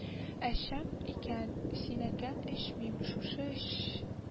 Әчәм икән – синекен эчмим! Шушы